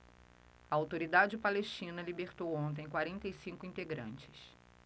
a autoridade palestina libertou ontem quarenta e cinco integrantes